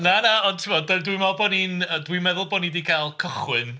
Na na ond timod dwi'n meddwl bod ni'n yy dwi'n meddwl bod ni 'di cael cychwyn...